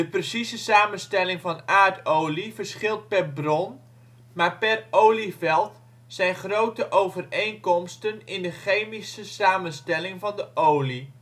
precieze samenstelling van aardolie verschilt per bron, maar per olieveld zijn grote overeenkomsten in de chemische samenstelling van de olie